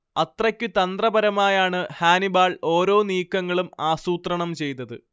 അത്രയ്ക്കു തന്ത്രപരമായാണ് ഹാനിബാൾ ഒരോ നീക്കങ്ങളും ആസൂത്രണം ചെയ്തത്